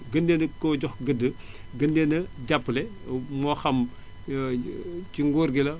gën leen koo jox gëdd gën leen a jàppale moo xam ci nguur gi la